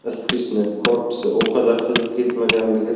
isitgichni korpusi u qadar qizib ketmaganligi